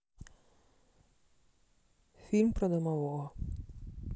фильм про домового